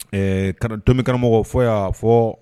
Ɛɛ kanatokaramɔgɔ fo' fɔ